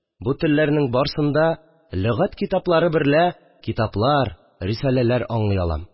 Бу телләрнең барсында да, лөгать китаплары берлә, китаплар, рисаләләр аңлый алам